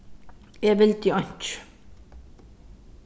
eg vildi einki